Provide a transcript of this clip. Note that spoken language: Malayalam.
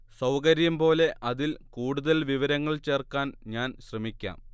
സൗകര്യം പോലെ അതിൽ കൂടുതൽ വിവരങ്ങൾ ചേർക്കാൻ ഞാൻ ശ്രമിക്കാം